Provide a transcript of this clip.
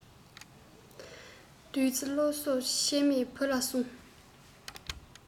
བདུད རྩིའི སློབ གསོ ཆད མེད བུ ལ གསུང